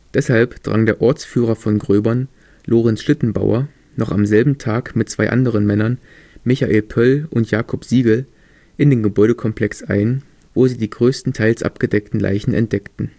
Deshalb drang der Ortsführer von Gröbern, Lorenz Schlittenbauer, noch am selben Tag mit zwei anderen Männern, Michael Pöll und Jakob Sigl, in den Gebäudekomplex ein, wo sie die größtenteils abgedeckten Leichen entdeckten